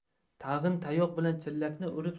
tag'in tayoq bilan chillakni urib